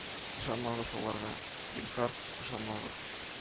Ышанмагыз аларга, зинһар, ышанмагыз